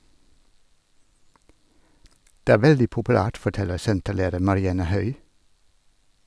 Det er veldig populært, forteller senterleder Marianne Høi.